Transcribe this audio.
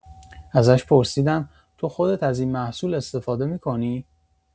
ازش پرسیدم: تو خودت از این محصول استفاده می‌کنی؟